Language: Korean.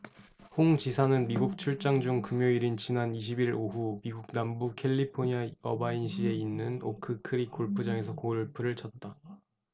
홍 지사는 미국 출장 중 금요일인 지난 이십 일 오후 미국 남부 캘리포니아 어바인시에 있는 오크 크릭 골프장에서 골프를 쳤다